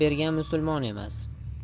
bergan musulmon emas